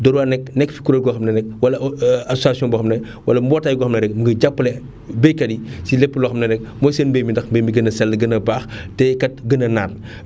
Dóor waar nekk nekk si kuréel goo xam ne nag wala association boo xam ne wala mbootaay goo xam ne rek mu ngi jàppale baykat yi si lépp loo xam ne rek mooy seen mbay mi ndax mbay mi gën a sell gën a baax te kat gën a naat